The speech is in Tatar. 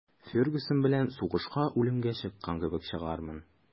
«фергюсон белән сугышка үлемгә чыккан кебек чыгармын»